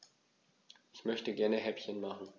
Ich möchte gerne Häppchen machen.